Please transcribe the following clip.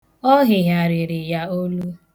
Ọ hịgharịrị ya olu.